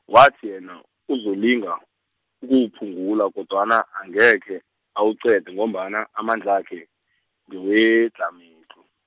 wathi yena uzolinga, ukuwuphungula kodwana angekhe awuqede, ngombana amandlakhe, ngewedlhamedlhu.